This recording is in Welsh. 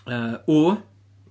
Yy W...